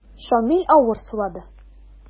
Шамил авыр сулады.